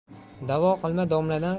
da'vo qilma domladan